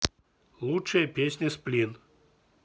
лучшие песни сплин